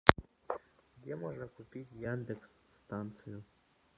где можно купить яндекс станцию